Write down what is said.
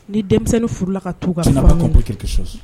Ni denmisɛnnin furula ka tu